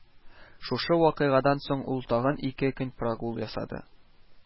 Шушы вакыйгадан соң ул тагын ике көн прогул ясады